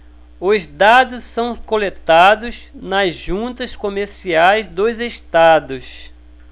os dados são coletados nas juntas comerciais dos estados